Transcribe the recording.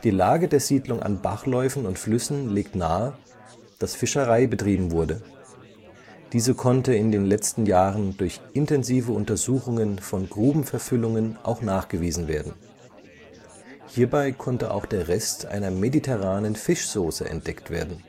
Lage der Siedlung an Bachläufen und Flüssen legt nahe, dass Fischerei betrieben wurde. Diese konnte in den letzten Jahren durch intensive Untersuchungen von Grubenverfüllungen auch nachgewiesen werden. Hierbei konnte auch der Rest einer mediterranen Fischsoße (Garum) entdeckt werden